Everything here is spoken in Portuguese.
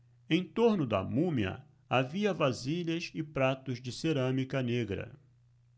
em torno da múmia havia vasilhas e pratos de cerâmica negra